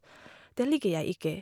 Det liker jeg ikke.